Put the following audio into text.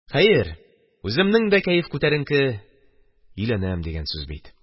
Хәер, үземнең дә кәеф күтәренке – өйләнәм дигән сүз бит.